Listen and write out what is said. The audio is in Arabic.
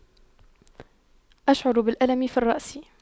أشعر بالألم في الرأس